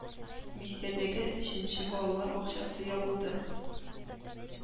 Бистәдәге өченче балалар бакчасы ябылды